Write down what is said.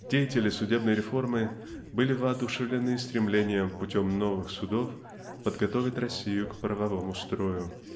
Деятели судебной реформы были воодушевлены стремлением путем новых судов подготовить Россию к правовому строю.